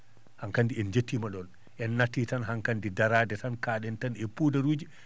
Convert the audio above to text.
han kandi en jettima ɗon en natti tan han kandi daraade tan kaaɗen tan e poudre uji